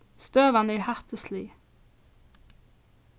støðan er hættislig